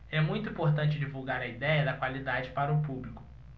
é muito importante divulgar a idéia da qualidade para o público